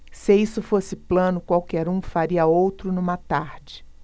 se isso fosse plano qualquer um faria outro numa tarde